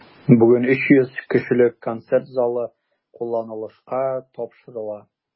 Бүген 300 кешелек концерт залы кулланылышка тапшырыла.